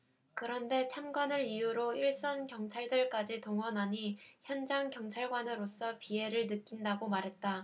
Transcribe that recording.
그런데 참관을 이유로 일선 경찰들까지 동원하니 현장 경찰관으로서 비애를 느낀다고 말했다